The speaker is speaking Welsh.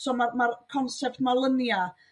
So ma'r ma'r concept 'ma o lunia'